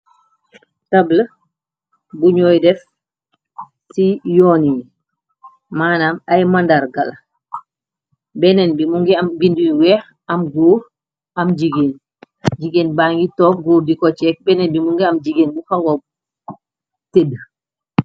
Tabla buñooy def ci yoon yi, maanam ay màndargala, benneen bi mu ngi am binde yu weex, am goor am jigéen, jigéen ba ngi toog góor bi di ko ceek, bennen bi mu ngi am jigeen bu xawa tédd.